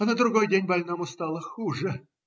На другой день больному стало хуже.